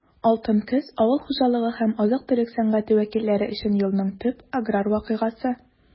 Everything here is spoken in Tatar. «алтын көз» - авыл хуҗалыгы һәм азык-төлек сәнәгате вәкилләре өчен елның төп аграр вакыйгасы.